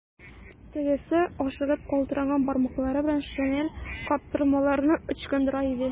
Тегесе ашыгып, калтыранган бармаклары белән шинель каптырмаларын ычкындыра иде.